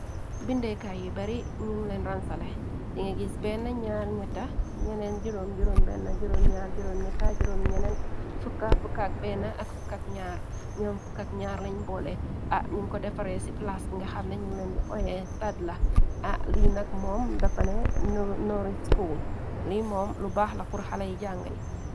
Bindeekaay yi bari ñun leen ransale di nga gis 14641.Ni 1 lañ boole añun ko defaree ci plas. Nga xarnañun leen oye stadla ali nak moom dafane noris school li moom lu baax la qur xalay jànga yi.